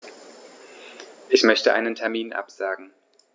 Ich möchte einen Termin absagen.